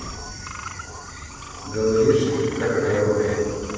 говоришь скороговорку